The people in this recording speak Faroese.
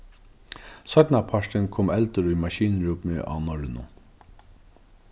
seinnapartin kom eldur í maskinrúmið á norrønu